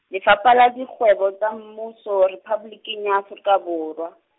Lefapha la Dikgwebo tsa Mmuso, Rephapoliki ya Afrika Borwa.